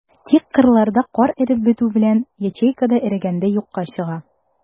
Тик кырларда кар эреп бетү белән, ячейка да эрегәндәй юкка чыга.